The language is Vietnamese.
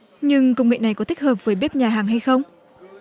nhưng công nghệ này có thích hợp với bếp nhà hàng hay không